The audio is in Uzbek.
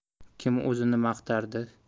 kim o'zini maqtardi